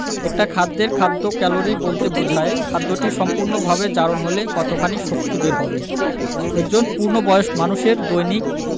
একটা খাদ্যের খাদ্য ক্যালোরি বলতে বোঝায় খাদ্যটি সম্পূর্ণভাবে জারণ হলে কতখানি শক্তি বের হবে একজন পূর্ণবয়স্ক মানুষের দৈনিক